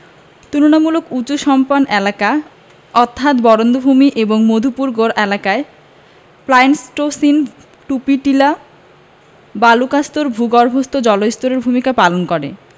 তুলনামূলক উঁচু সোপান এলাকা অর্থাৎ বরেন্দ্রভূমি ও মধুপুরগড় এলাকায় প্লাইসটোসিন ডুপি টিলা বালুকাস্তর ভূগর্ভস্থ জলস্তরের ভূমিকা পালন করে